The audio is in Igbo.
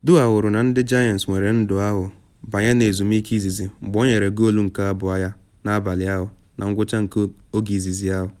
Dwyer hụrụ na ndị Giants were ndu ahụ banye n’ezumike izizi mgbe ọ nyere goolu nke abụọ ya n’abalị ahụ na ngwụcha nke oge izizi ahụ.